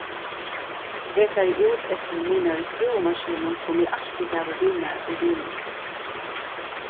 eg fari út eftir mínari skrúvumaskinu sum eg altíð havi við mær í bilinum